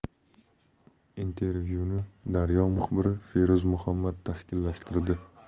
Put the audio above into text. intervyuni daryo muxbiri feruz muhammad tashkillashtirdi